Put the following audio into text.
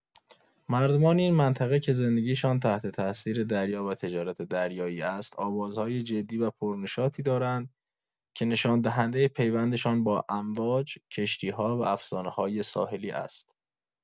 مردمان این منطقه که زندگی‌شان تحت‌تأثیر دریا و تجارت دریایی است، آوازهای جدی و پرنشاطی دارند که نشان‌دهنده پیوندشان با امواج، کشتی‌ها و افسانه‌های ساحلی است.